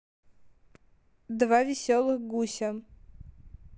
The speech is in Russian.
два веселых гуся